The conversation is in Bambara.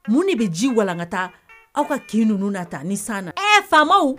Mun de bɛ ji walanka taa aw ka kin ninnu'a ta ni san ɛɛ faama